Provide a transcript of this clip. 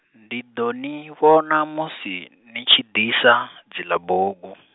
ndi ḓo ni vhona musi, ni tshi ḓisa, dzila bugu.